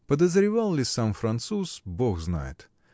Подозревал ли сам француз – бог знает!